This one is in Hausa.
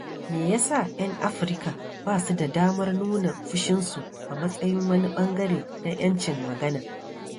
Me ya sa 'yan Afirka ba su da damar nuna fushinsu a matsayin wani ɓangare na 'yancin magana?